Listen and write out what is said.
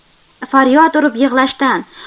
faryod urib yig'lashdan